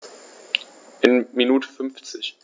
Eine Minute 50